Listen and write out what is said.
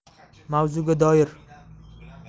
mavzuga doir